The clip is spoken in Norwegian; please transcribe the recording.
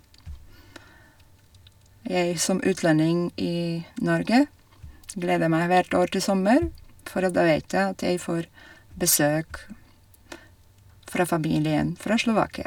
Jeg som utlending i Norge gleder meg hvert år til sommer, for at da vet jeg at jeg får besøk fra familien fra Slovakia.